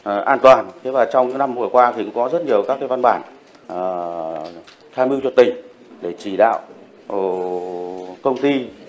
ờ an toàn thế và trong những năm vừa qua thì cũng có rất nhiều các cái văn bản ờ tham mưu cho tỉnh để chỉ đạo ồ công ty